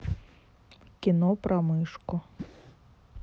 кино про мишку